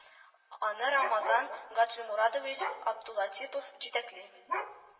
Аны Рамазан Гаджимурадович Абдулатипов җитәкли